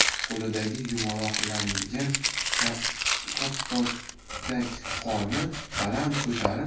qo'lidagi yumaloqlangan koptokday qorni baland ko'tarib